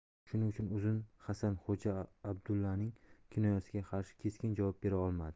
shuning uchun uzun hasan xo'ja abdullaning kinoyasiga qarshi keskin javob bera olmadi